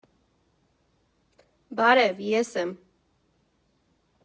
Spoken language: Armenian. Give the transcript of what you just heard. Բարև, ես եմ։